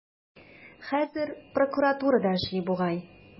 Хәзер прокуратурада эшли бугай.